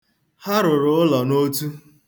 Ha rụrụ ụlọ n'otu.